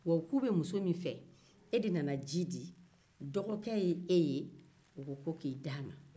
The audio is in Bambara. e de nana ji di dɔgɔkɛ ye e ye u ko ko k'i d'a ma